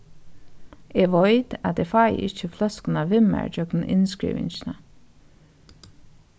eg veit at eg fái ikki fløskuna við mær ígjøgnum innskrivingina